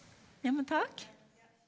ja men takk.